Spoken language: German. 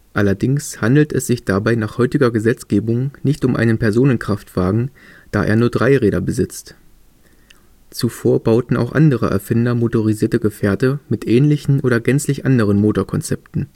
Allerdings handelt es sich dabei nach heutiger Gesetzgebung nicht um einen Personenkraftwagen, da er nur drei Räder besitzt. Zuvor bauten auch andere Erfinder motorisierte Gefährte mit ähnlichen oder gänzlich anderen Motorkonzepten